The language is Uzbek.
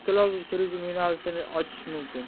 ekologik turizm yo'nalishini ochish mumkin